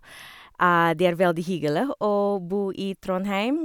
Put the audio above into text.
Det er veldig hyggelig å bo i Trondheim.